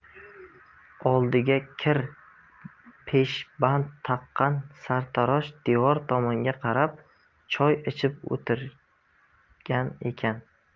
oldiga kir peshband taqqan sartarosh devor tomonga qarab choy ichib o'tirgan ekan